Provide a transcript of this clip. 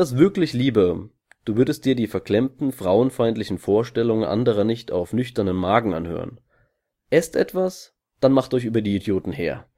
wirklich lieber, Du würdest Dir die verklemmten, frauenfeindlichen Vorstellungen anderer nicht auf nüchternen Magen anhören. Esst etwas, dann macht euch über die Idioten her